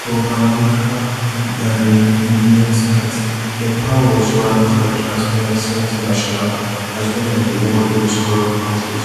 Bhumika Ghimire notes that Nepal was ranked by Transparency International as one of the world's most corrupt countries.